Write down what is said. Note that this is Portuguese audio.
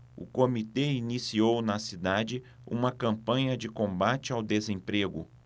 o comitê iniciou na cidade uma campanha de combate ao desemprego